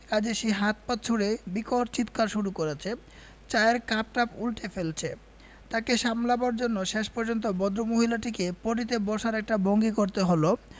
কাজেই সে হাত পা ছুড়ে বিকট চিৎকার শুরু করেছে চায়ের কাপটাপ উন্টে ফেলছে তাকে সামলাবার জন্যে শেষ পর্যন্ত ভদ্রমহিলাকে পটি তে বসার একটা ভঙ্গি করতে হল